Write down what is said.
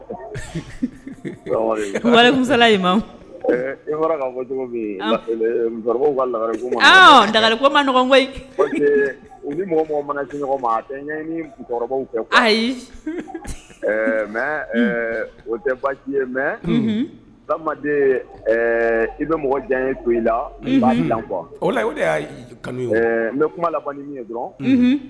La fɔ cogo musokɔrɔba' la koyi u mɔgɔ mana ɲɔgɔnw kɛ ayi ɛɛ mɛ o tɛ baasi ye mɛ baden i bɛ mɔgɔ jan ye to i la la y kanu ne kuma la min ye dɔrɔn